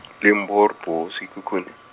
Limpopo, Sekhukhune.